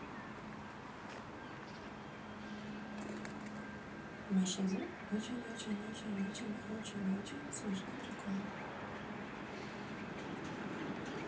маша зум очень очень очень очень очень очень смешные приколы